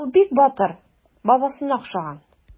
Ул бик батыр, бабасына охшаган.